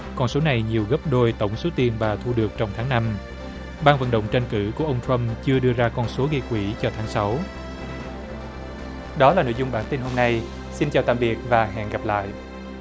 con số này nhiều gấp đôi tổng số tiền bà thu được trong tháng năm ban vận động tranh cử của ông troăm chưa đưa ra con số gây quỹ cho tháng sáu đó là nội dung bản tin hôm nay xin chào tạm biệt và hẹn gặp lại